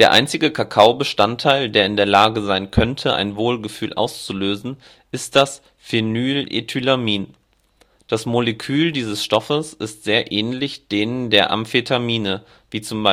einzige Kakao-Bestandteil, der in der Lage sein könnte, ein Wohlgefühl auszulösen, ist das Phenylethylamin. Das Molekül dieses Stoffes ist sehr ähnlich denen der Amphetamine, wie zum